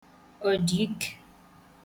ọ̀dị̀ikè